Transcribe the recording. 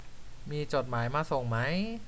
มีจดหมายมาส่งมั้ย